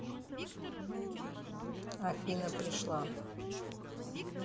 афина пришла